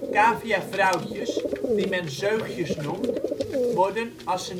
Caviavrouwtjes (die men zeugjes noemt) worden, als